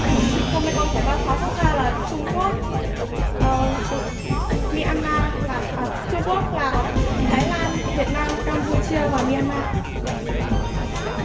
sông mê công chảy qua sáu quốc gia là trung quốc ờ my an ma lào à trung quốc lào thái lan việt nam cam bu chia và my an ma ạ